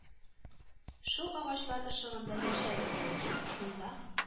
Шул агачлар ышыгында яшәр идем мин, шунда